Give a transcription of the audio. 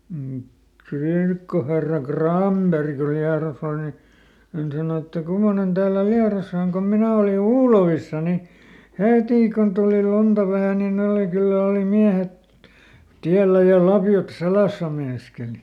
mm kirkkoherra Granberg kun Liedossa oli niin hän sanoi että kummoinen täällä Liedossa on kun minä olin Uulovissa niin heti kun tuli lunta vähän niin ne oli kyllä oli miehet täällä ja lapiot selässä meinaskeli